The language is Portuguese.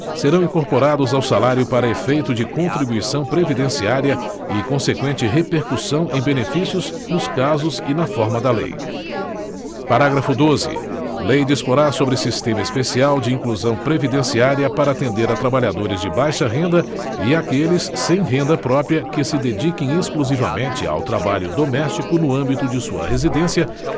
serão incorporados ao salário para efeito de contribuição previdenciária e conseqüente repercussão em benefícios nos casos e na forma da lei parágrafo doze lei disporá sobre sistema especial de inclusão previdenciária para atender a trabalhadores de baixa renda e àqueles sem renda própria que se dediquem exclusivamente ao trabalho doméstico no âmbito de sua residência